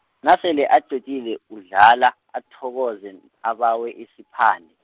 nasele aqedile, UDladla, athokoze, abawe isiphande.